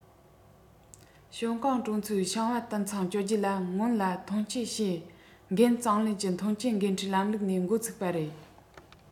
ཞའོ ཀང གྲོང ཚོའི ཞིང པ དུད ཚང བཅོ བརྒྱད ལ སྔོན ལ ཐོན སྐྱེད བྱེད འགན གཙང ལེན གྱི ཐོན སྐྱེད འགན འཁྲིའི ལམ ལུགས ནས འགོ ཚུགས པ རེད